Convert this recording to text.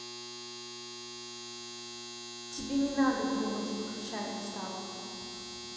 тебе не надо думать выключай приставку